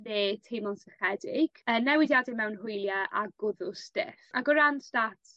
Ne' teimlo'n sychedig yy newidiade mewn hwylie a gwddw stiff. Ag o ran stats